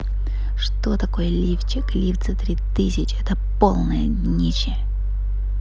что такое лифчик лифт за три тысячи это полное днище